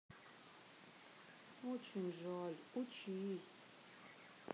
очень жаль учись